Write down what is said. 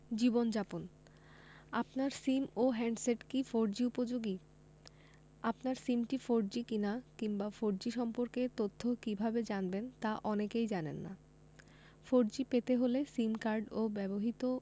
জীবনযাপন আপনার সিম ও হ্যান্ডসেট কি ফোরজি উপযোগী আপনার সিমটি ফোরজি কিনা কিংবা ফোরজি সম্পর্কে তথ্য কীভাবে জানবেন তা অনেকেই জানেন না ফোরজি পেতে হলে সিম কার্ড ও ব্যবহৃত